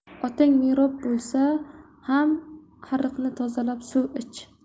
otang mirob bo'lsa ham ariqni tozalab suv ich